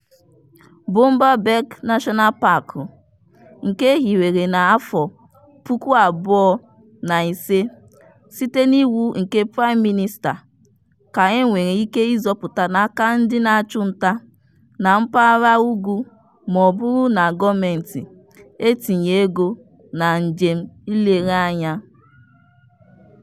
Boumba Bek National Park, nke e hiwere na 2005 site n'iwu nke Prime Minister, ka e nwere ike ịzọpụta n'aka ndị na-achụ nta na mpaghara ugwu ma ọ bụrụ na gọọmentị etinye ego na njem nlereanya.